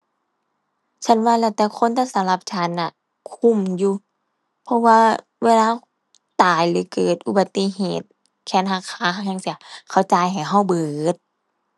ฉันว่าแล้วแต่คน แต่สำหรับฉันน่ะ คุ้มอยู่ เพราะว่าเวลาตายหรือเกิดอุบัติเหตุแขนหัก ขาหักจั่งซี้ เขาจ่ายให้เราเบิด